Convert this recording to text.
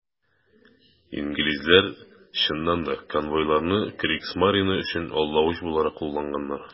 Инглизләр, чыннан да, конвойларны Кригсмарине өчен алдавыч буларак кулланганнар.